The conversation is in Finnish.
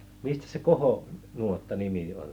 mistäs se - kohonuotta nimi on